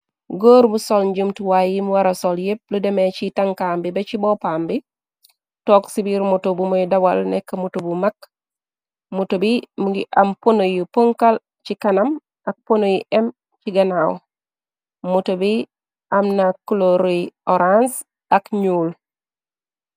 Goor bu sol njumtuwaa yim wara sol yépp lu demee ci tankaam bi ba ci boppaam bi took ci biir muto bu muy dawal nekk muto bu mag muto bi ngi am pono yu pënkal ci kanam ak pono yu em ci ganaaw muto bi am na colori orance ak ñyuul.